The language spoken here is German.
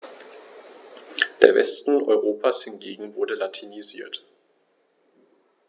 Der Westen Europas hingegen wurde latinisiert.